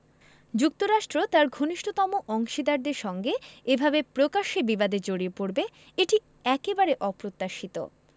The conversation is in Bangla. যুক্তরাষ্ট্র তার ঘনিষ্ঠতম অংশীদারদের সঙ্গে এভাবে প্রকাশ্যে বিবাদে জড়িয়ে পড়বে এটি একেবারে অপ্রত্যাশিত